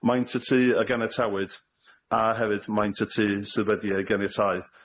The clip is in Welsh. maint y tŷ a ganiatawyd, a hefyd maint y tŷ sydd wedi ei ganiatáu.